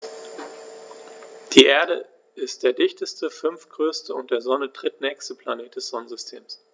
Die Erde ist der dichteste, fünftgrößte und der Sonne drittnächste Planet des Sonnensystems.